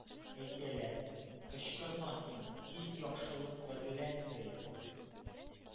Әйтәләр: «Кычкырма син, тиз яхшылык берлән тыел!